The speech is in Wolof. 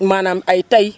maanaam ay tay